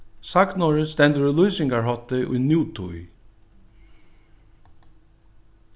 sagnorðið stendur í lýsingarhátti í nútíð